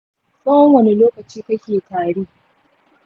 tsawon wane lokaci kake tari?